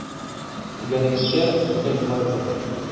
Күргәнегезчә, бу хәл болай була.